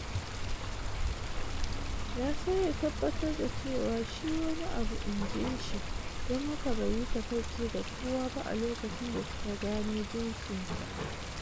Ya so ya tabbatar da cewa shi "wani abu," in ji shi, don haka bai yi takaici ga kowa ba a lokacin da suka gano jinsin sa.